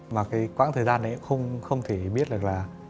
mà cái quãng thời gian ấy không không thể biết được là